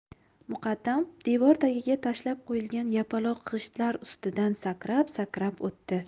muqaddam devor tagiga tashlab qo'yilgan yapaloq g'ishtlar ustidan sakrab sakrab o'tdi